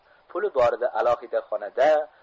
puli borida alohida xonada